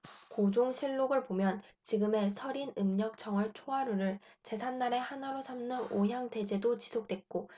고종실록 을 보면 지금의 설인 음력 정월초하루를 제삿날의 하나로 삼는 오향대제도 지속됐고 동지의 신년하례도 계속됐다